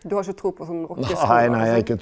du har ikkje tru på sånn rockeskular og sånn?